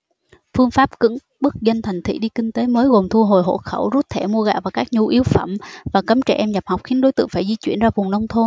phương pháp cưỡng bức dân thành thị đi kinh tế mới gồm thu hồi hộ khẩu rút thẻ mua gạo và các nhu yếu phẩm và cấm trẻ em nhập học khiến đối tượng phải di chuyển ra vùng nông thôn